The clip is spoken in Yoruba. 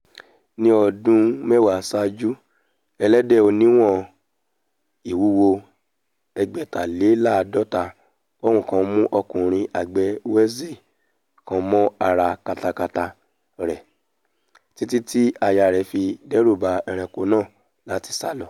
Ní ọdún mẹ́wàá ṣáájú, ẹlẹ́dẹ̀ oníwọ̀n ìwúwo ẹgbẹ̀taléláààdọ́ta pọ́un kan mú ọkùnrin àgbẹ̀ Welsh kan mọ́ ara katakata rẹ títí ti aya rẹ̀ fi dẹ́rùba ẹranko náà láti sálọ.